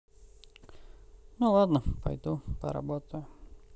ну ладно пойду поработаю